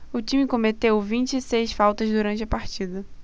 o time cometeu vinte e seis faltas durante a partida